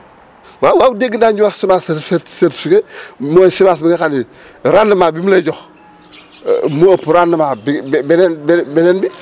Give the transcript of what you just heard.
waawaaw dégg naa ñuy wax semence cer certifiée mooy semence bi nga xam ni rendement bi mu lay jox moo ëpp rendement beneen beneen bi